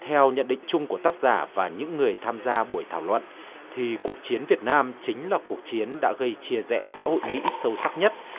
theo nhận định chung của tác giả và những người tham gia buổi thảo luận thì cuộc chiến việt nam chính là cuộc chiến đã gây chia rẽ xã hội mỹ sâu sắc nhất